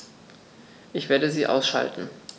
Ich werde sie ausschalten